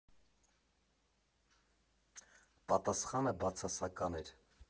Պատասխանը բացասական էր։